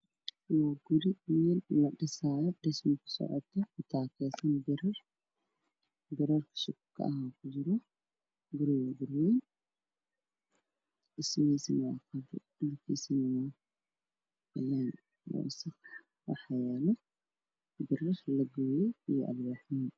Waa guri ladhisaayo oo dhismo kusocoto oo birar shub ah ay kujiraan, darbigiisu waa qayaan waxaa yaalo birar iyo alwaaxyo lagooyay.